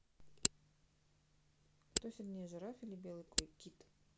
кто сильнее жираф или белый кит